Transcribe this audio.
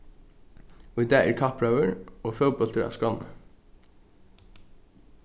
í dag er kappróður og fótbóltur á skránni